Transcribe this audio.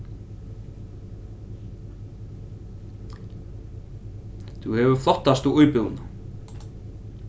tú hevur flottastu íbúðina